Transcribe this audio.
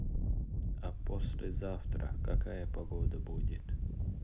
а послезавтра какая погода будет